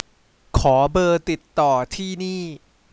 ขอเบอร์ติดต่อที่นี่